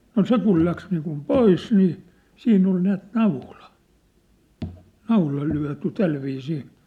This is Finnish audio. no se kun lähti niin kuin pois niin siinä oli näet naula naula lyöty tällä viisiin